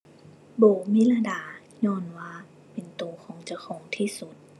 โบว์ เมลดา ญ้อนว่าเป็นตัวของเจ้าของที่สุด